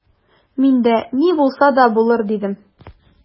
Мин дә: «Ни булса да булыр»,— дидем.